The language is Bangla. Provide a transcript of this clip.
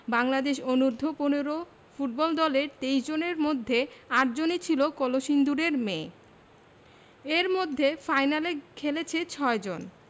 বাংলাদেশ অনূর্ধ্ব ১৫ ফুটবল দলের ২৩ জনের মধ্যে ৮ জনই ছিল কলসিন্দুরের মেয়ে এর মধ্যে ফাইনালে খেলেছে ৬ জন